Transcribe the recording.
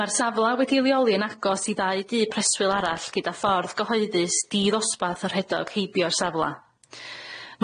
Ma'r safla wedi leoli yn agos i ddau dŷ preswyl arall gyda ffordd gyhoeddus di-ddosbarth y rhedog heibio'r safla.